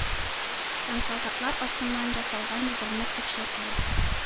Һәм солдатлар алтыннан ясалган егерме көпчәкле